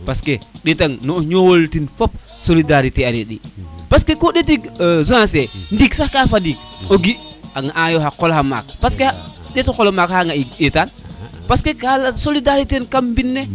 parce ɗetan ne o ñowole ten fop solidarité a re di parce ko ɗetii Zancier ndiig sax ka fadiid de o gi a ŋay wo xa qol xa maak parce que ɗeti xa qol xa maka xaga etan parce que solidarité kam mbine